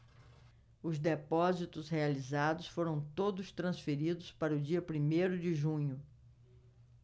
os depósitos realizados foram todos transferidos para o dia primeiro de junho